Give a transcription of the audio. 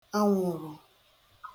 anwụ̀rụ̀